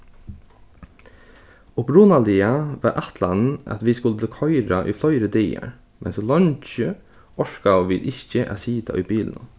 upprunaliga var ætlanin at vit skuldu koyra í fleiri dagar men so leingi orkaðu vit ikki at sita í bilinum